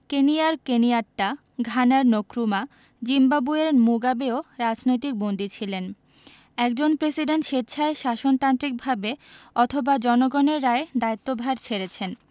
কেনিয়ার কেনিয়াট্টা ঘানার নক্রুমা জিম্বাবুয়ের মুগাবেও রাজনৈতিক বন্দী ছিলেন একজন প্রেসিডেন্ট স্বেচ্ছায় শাসনতান্ত্রিকভাবে অথবা জনগণের রায়ে দায়িত্বভার ছেড়েছেন